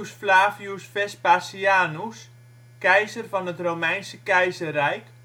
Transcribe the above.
Flavius Vespasianus, keizer van het Romeinse Keizerrijk